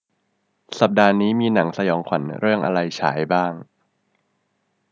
สัปดาห์นี้มีหนังสยองขวัญเรื่องอะไรฉายบ้าง